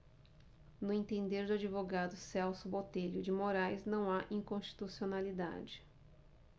no entender do advogado celso botelho de moraes não há inconstitucionalidade